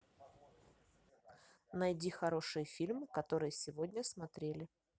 найди хорошие фильмы которые сегодня смотрели